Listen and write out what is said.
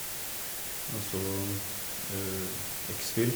Altså exphil.